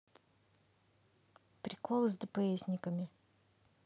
приколы с дпсниками